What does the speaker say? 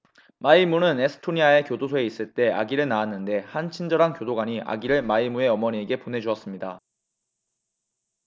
마이무는 에스토니아의 교도소에 있을 때 아기를 낳았는데 한 친절한 교도관이 아기를 마이무의 어머니에게 보내 주었습니다